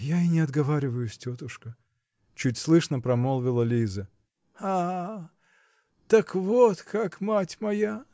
-- Я и не отговариваюсь, тетушка, -- чуть слышно промолвила Лиза. -- А-а! Так вот как, мать моя